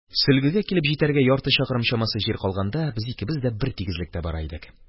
Сөлгегә килеп җитәргә ярты чакрым чамасы җир калганда, без икебез дә бер тигезлектә бара идек.